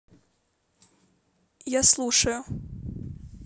я слушаю